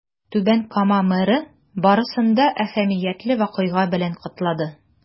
Түбән Кама мэры барысын да әһәмиятле вакыйга белән котлады.